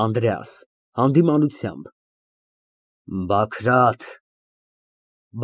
ԱՆԴՐԵԱՍ ֊ (Հանդիմանությամբ) Բագրատ։